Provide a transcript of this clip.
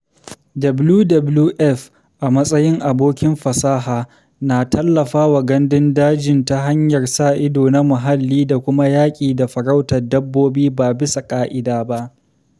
WWF a matsayin abokin fasaha na tallafawa gandun dajin ta hanyar sa ido na muhalli da kuma yaki da farautar dabbobi ba bisa ka’ida ba.